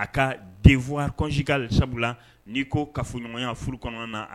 A ka denfawaɔnsika la sabula n'i ko ka fɔɲɔgɔnya furu kɔnɔna na